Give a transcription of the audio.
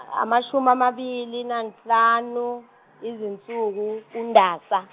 a- amashumi amabili nanhlanu izinsuku uNdasa.